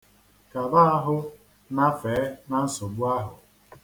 Kaba ahụ lafee na nsogbu ahụ.